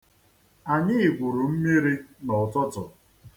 Anyị gwuru mmiri n'ụtụtụ.